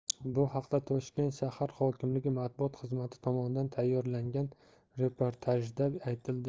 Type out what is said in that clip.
bu haqda toshkent shahar hokimligi matbuot xizmati tomonidan tayyorlangan reportajda aytiladi